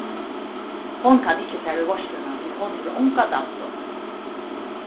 hon kann ikki fara í veitsluna tí hon hevur onga daddu